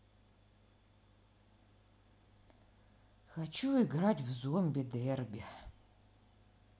хочу играть в зомби дерби